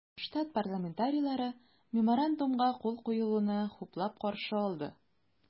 Штат парламентарийлары Меморандумга кул куелуны хуплап каршы алды.